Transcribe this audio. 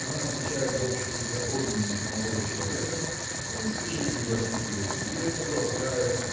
что она отличает в обществе какого-нибудь молодого человека он спешит пригласить его к себе обласкает